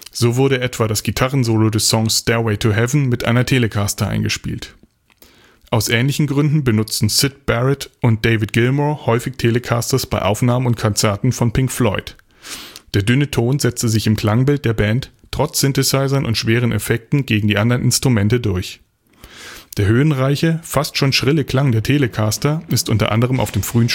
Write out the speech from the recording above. So wurde etwa das Gitarrensolo des Songs „ Stairway to Heaven “mit einer Telecaster eingespielt. Aus ähnlichen Gründen benutzten Syd Barrett und David Gilmour häufig Telecasters bei Aufnahmen und Konzerten von Pink Floyd: Der dünne Ton setzte sich im Klangbild der Band trotz Synthesizern und schweren Effekten gegen die anderen Instrumente durch. Der höhenreiche, fast schon schrille Klang der Telecaster ist unter anderem auf dem frühen